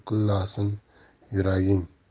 ho'pla qilqillasin yuraging